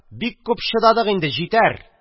Бик күп чыдадык инде, җитәр!